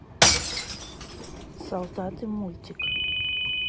солдаты мультик